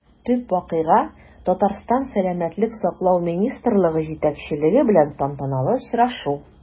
Төп вакыйга – Татарстан сәламәтлек саклау министрлыгы җитәкчелеге белән тантаналы очрашу.